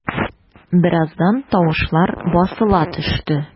Бераздан тавышлар басыла төште.